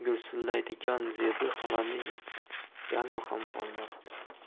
zebi xolaning yarmiham qolmabdi